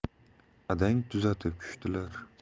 adang tuzatib tushdilar